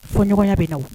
Fɔɲɔgɔnya bɛ na wo .